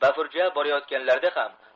bafurja borayotganlarida ham